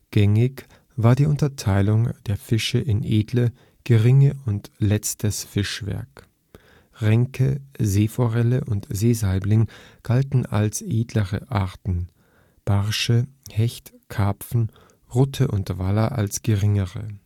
Gängig war die Unterteilung der Fische in „ edle “,„ geringere “und „ letztes Fischwerk “. Renke, Seeforelle und Seesaibling galten als edlere Arten, Brachse, Hecht, Karpfen, Rutte und Waller als geringere